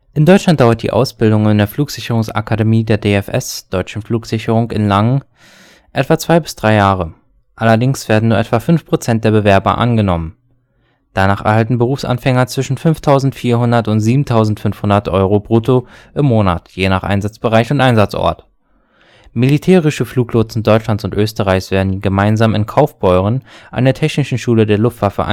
In Deutschland dauert die Ausbildung in der Flugsicherungsakademie der DFS in Langen (Hessen) etwa 2 – 3 Jahre. Allerdings werden nur etwa 5 % der Bewerber angenommen. Danach erhalten Berufsanfänger zwischen 5400 und 7500 Euro brutto im Monat (je nach Einsatzbereich und - ort). Militärische Fluglotsen Deutschlands und Österreichs werden gemeinsam in Kaufbeuren an der Technischen Schule der Luftwaffe